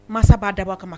Masabaa dabɔ kama